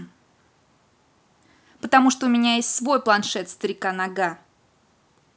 потому что у меня есть свой планшет старика нога